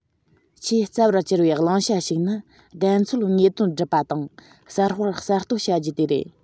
ཆེས རྩ བར གྱུར པའི བླང བྱ ཞིག ནི བདེན འཚོལ དངོས དོན སྒྲུབ པ དང གསར སྤེལ གསར གཏོད བྱ རྒྱུ དེ རེད